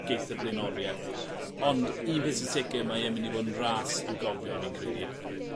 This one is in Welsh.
geith y flaenorieth? Ond un peth sy'n sicir mae e'n mynd i fod yn ras i'w gofio fi'n credu.